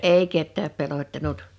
ei ketään pelottanut